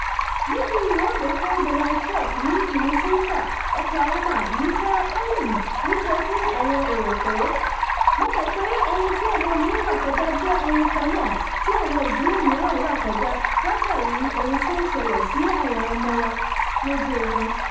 Níbi ìwọ́de fún Donald Trump ní ìlú Tulsa, Oklahoma ni Sarah Palin rí sọ fún àwọn èrò pé “Mo mọ̀ pé ohun tí ọmọ mi ń là kọjá jẹ́ ohun kan náà tí àwọn ìdílé mìíràn là kọjá látàrí ohun tí ó ṣẹlẹ̀ sí àwọn ọmọ wa lójú ogun“